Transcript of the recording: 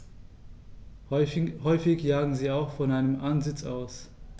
Häufig jagen sie auch von einem Ansitz aus.